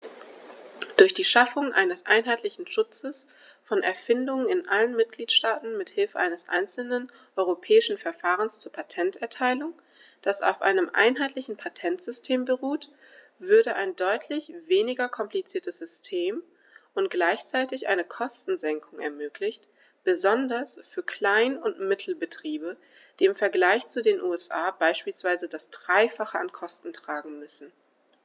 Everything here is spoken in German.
Durch die Schaffung eines einheitlichen Schutzes von Erfindungen in allen Mitgliedstaaten mit Hilfe eines einzelnen europäischen Verfahrens zur Patenterteilung, das auf einem einheitlichen Patentsystem beruht, würde ein deutlich weniger kompliziertes System und gleichzeitig eine Kostensenkung ermöglicht, besonders für Klein- und Mittelbetriebe, die im Vergleich zu den USA beispielsweise das dreifache an Kosten tragen müssen.